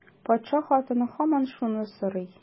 Патша хатыны һаман шуны сорый.